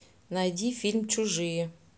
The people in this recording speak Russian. найди фильм чужие